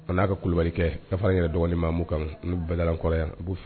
A n'a ka ku kulubali kɛ ka fara yɛrɛ dɔgɔnin maamu kan n bɛɛ kɔrɔ b' fɛ